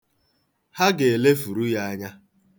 Ha ga-elefuru ya anya.